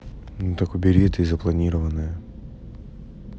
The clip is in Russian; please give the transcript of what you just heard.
ну так убери это запланированное